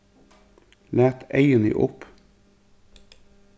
lat eyguni upp